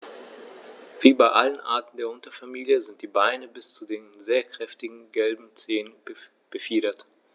Wie bei allen Arten der Unterfamilie sind die Beine bis zu den sehr kräftigen gelben Zehen befiedert.